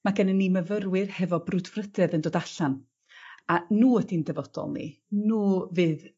Ma' gennyn ni myfyrwyr hefo brwdfrydedd yn dod allan a n'w ydi'n dyfodol ni n'w fydd